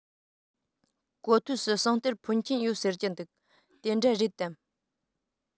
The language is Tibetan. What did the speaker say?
གོ ཐོས སུ ཟངས གཏེར འཕོན ཆེན ཡོད ཟེར གྱི འདུག དེ འདྲ རེད དམ